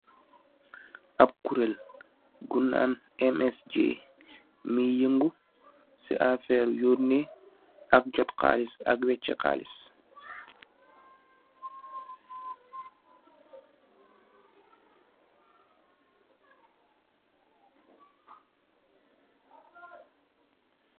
Ab curel bun nan MSJ moye yagu se aferr yone ak jot halis ak wache halis.